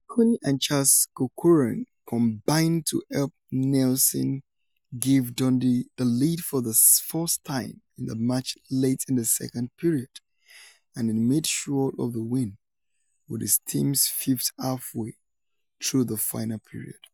Cownie and Charles Corcoran combined to help Nielsen give Dundee the lead for the first time in the match late in the second period and he made sure of the win with his team's fifth halfway through the final period.